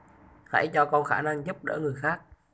hãy cho con khả năng giúp đỡ người khác